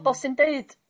...pobol sy'n deud